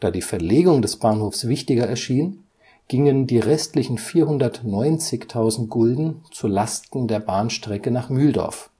die Verlegung des Bahnhofs wichtiger erschien, gingen die restlichen 490.000 Gulden zu Lasten der Bahnstrecke nach Mühldorf